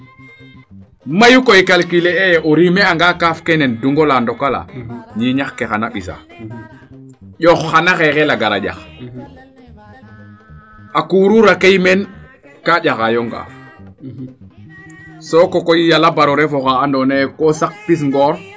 mayu koy calculer eeye o riima anga kaaf keene dungola ndokalaa ñiñax ke xana mbisaa ƴoox xana xeexel a gara njax a kuruura key meen ka ƴaxaa yo ŋaaf sooko koy yala bar o ref oxaa ando naye ko saq pi ngoor